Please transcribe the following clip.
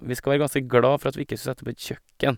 Vi skal være ganske glad for at vi ikke skulle sette opp et kjøkken.